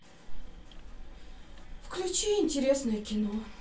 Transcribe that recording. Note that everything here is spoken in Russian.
включи интересное кино